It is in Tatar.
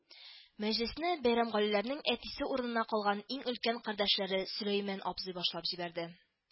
Мәҗлесне Бәйрәмгалиләрнең әтисе урынына калган иң өлкән кардәшләре Сөләйман абзый башлап җибәрде